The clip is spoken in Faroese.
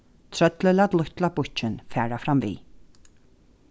trøllið lat lítla bukkin fara framvið